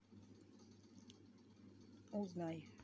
узнай